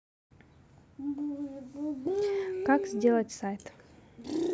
как сделать сайт